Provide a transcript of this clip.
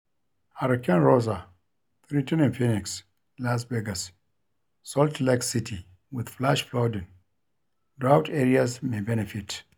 Hurricane Rosa Threatening Phoenix, Las Vegas, Salt Lake City With Flash Flooding (Drought Areas May Benefit)